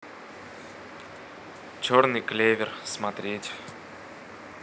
черный клевер смотреть